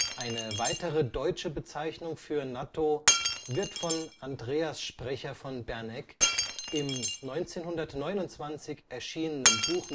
Eine weitere deutsche Bezeichnung für Nattō wird von Andreas Sprecher von Bernegg im 1929 erschienenen Buch